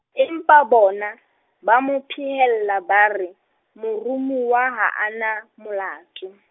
empa bona, ba mo phehella ba re, moromuwa, ha a na molato.